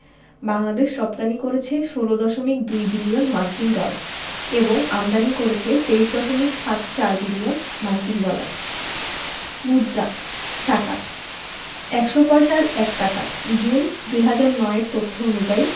বাংলাদেশ রপ্তানি করেছে ১৬দশমিক ২ বিলিয়ন মার্কিন ডলার এবং আমদানি করেছে ২৩দশমিক সাত চার বিলিয়ন মার্কিন ডলার মুদ্রাঃ টাকা ১০০ পয়সায় ১ টাকা জুন ২০০৯ এর তথ্য অনুযায়ী